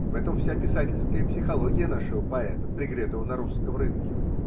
В этом вся писательская психология нашего поэта, пригретого на русском рынке.